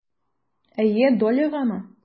Әйе, Доллигамы?